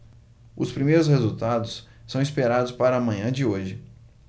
os primeiros resultados são esperados para a manhã de hoje